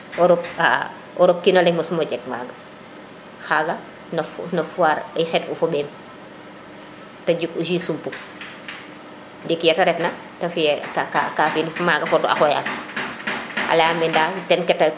europe xa a europe o kino leŋ mos mo jeg maga xaga na foire i xet u fo mbeem te jik u jus sumpu ndiki yete retna te fiye ka te fi in maga foto po xoyam a leyame